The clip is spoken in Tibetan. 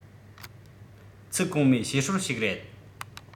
ཚིག གོང མའི བཤད སྲོལ ཞིག རེད